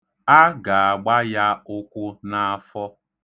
A ga-agba ya ụkwụ n'afọ.